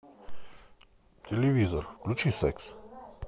телевизор включи секс